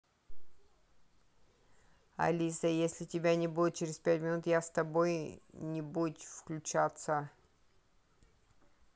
алиса если тебя не будет через пять минут я с тобой нибудь включаться